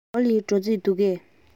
ཞའོ ལིའི འགྲོ རྩིས འདུག གས